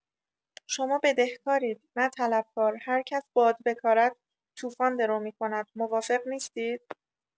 شما بدهکارید نه طلبکار هر کس باد بکارد طوفان درو می‌کندموافق نیستید؟